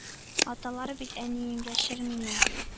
— аталар бит, әнием, яшер мине,